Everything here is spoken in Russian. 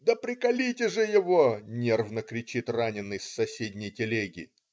"Да приколите же его!" - нервно кричит раненый с соседней телеги.